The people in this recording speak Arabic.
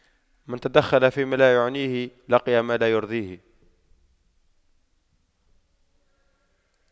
من تدخل فيما لا يعنيه لقي ما لا يرضيه